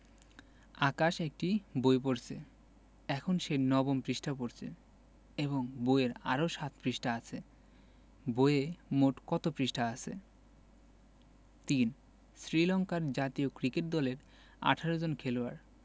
আকাশ একটি বই পড়ছে এখন সে নবম পৃষ্ঠা পড়ছে এবং বইয়ে আরও ৭ পৃষ্ঠা আছে বইয়ে মোট কত পৃষ্ঠা আছে ৩ শ্রীলংকার জাতীয় ক্রিকেট দলের ১৮ জন খেলোয়াড়